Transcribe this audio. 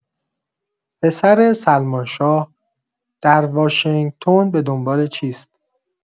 پسر سلمان شاه، در واشنگتن به دنبال چیست؟